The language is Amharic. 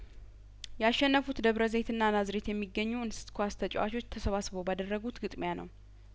ያሸነፉት ደብረዘይትና ናዝሬት የሚገኙ እንስት ኳስ ተጫዋቾች ተሰባስበው ባደረጉት ግጥሚያነው